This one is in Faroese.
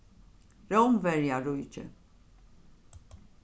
rómverjaríkið